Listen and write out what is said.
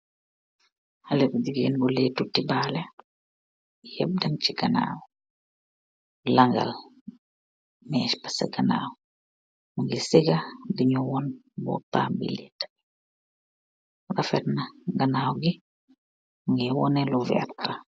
Hale bu jigeen bu letu tibale, yep dem chi ganaw, langal mes ba sa ganaw, mingi sega di nyu wan bopam bi lete refetna ganawngi mingi wane lo werta